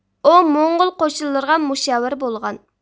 ئۇ موڭغۇل قوشۇنلىرىغا مۇشاۋىر بولغان